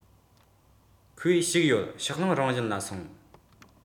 ཁོས ཞིག ཡོད ཕྱོགས ལྷུང རང བཞིན ལ སོང